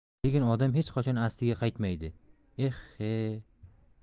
lekin odam hech qachon asliga qaytmaydi eh he he e